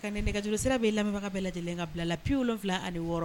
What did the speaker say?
Ka nɛgɛj sira bɛ' lamɛnbaga bɛɛ lajɛlen ka bila la pwu wolonwula ani wɔɔrɔ